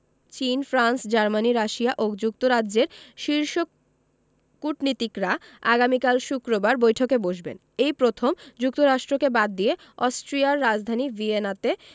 চীন France Germany Russia ও যুক্তরাজ্যের শীর্ষ কূটনীতিকরা আগামীকাল শুক্রবার বৈঠকে বসবেন এই প্রথম যুক্তরাষ্ট্রকে বাদ দিয়ে অস্ট্রিয়ার রাজধানী ভিয়েনাতে